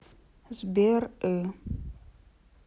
sber ы